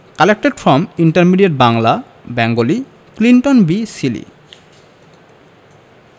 collected from intermediate Bangla Bengali Clinton B Seely